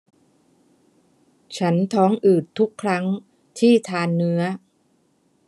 ฉันท้องอืดทุกครั้งที่ทานเนื้อ